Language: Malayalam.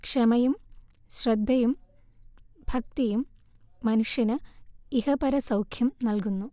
ക്ഷമയും ശ്രദ്ധയും ഭക്തിയും മനുഷ്യന് ഇഹപരസൗഖ്യം നൽകുന്നു